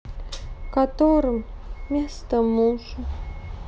которым место мужу